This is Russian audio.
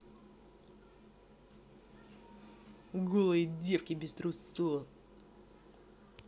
голые девки без трусов